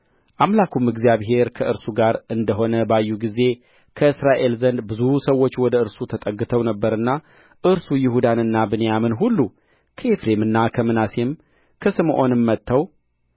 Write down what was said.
አምላኩም እግዚአብሔር ከእርሱ ጋር እንደ ሆነ ባዩ ጊዜ ከእስራኤል ዘንድ ብዙ ሰዎች ወደ እርሱ ተጠግተው ነበርና እርሱ ይሁዳንና ብንያምን ሁሉ ከኤፍሬምና ከምናሴም ከስምዖንም መጥተው